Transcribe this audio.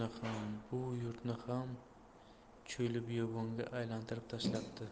yurtni ham cho'lbiyobonga aylantirib tashlabdi